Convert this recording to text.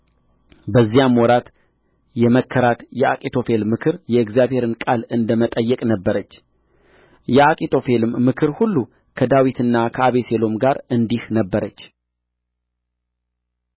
በዚያም ወራት የመከራት የአኪጦፌል ምክር የእግዚአብሔርን ቃል እንደ መጠየቅ ነበረች የአኪጦፌልም ምክር ሁሉ ከዳዊትና ከአቤሴሎም ጋር እንዲህ ነበረች